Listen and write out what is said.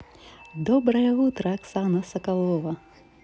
доброе утро оксана соколова